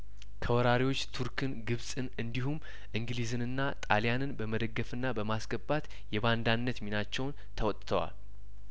ከወራሪዎች ቱርክን ግብጽን እንዲሁም እንግሊዝንና ጣሊያንን በመደገፍና በማስገባት የባንዳነት ሚናቸውን ተወጥተዋል